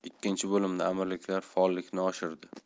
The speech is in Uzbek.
ikkinchi bo'limda amirliklar faollikni oshirdi